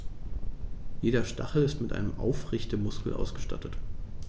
Jeder Stachel ist mit einem Aufrichtemuskel ausgestattet.